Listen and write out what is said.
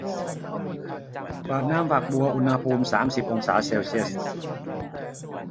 เปิดน้ำฝักบัวอุณหภูมิสามสิบองศาเซลเซียส